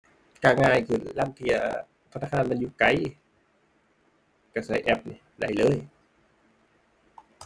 ก็ง่ายขึ้น ลางเที่ยธนาคารมันอยู่ไกล ก็ก็แอปนี่ได้เลย